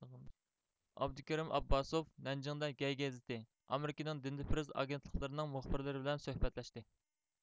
ئابدۇكېرىم ئابباسوف نەنجىڭدە گەي گېزىتى ئامېرىكىنىڭ دىندپىرىس ئاگېنتلىقلىرىنىڭ مۇخبىرلىرى بىلەن سۆھبەتلەشتى